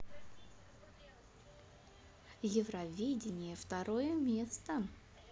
евровидение второе место